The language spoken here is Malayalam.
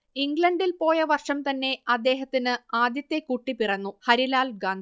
ഇംഗ്ലണ്ടിൽ പോയ വർഷം തന്നെ അദ്ദേഹത്തിന് ആദ്യത്തെ കുട്ടി പിറന്നു ഹരിലാൽ ഗാന്ധി